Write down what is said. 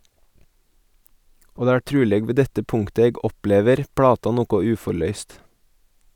Og det er truleg ved dette punktet eg opplever plata noko uforløyst.